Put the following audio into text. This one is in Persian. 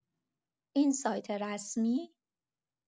این سایت رسمی!